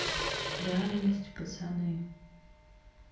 реальность пацаны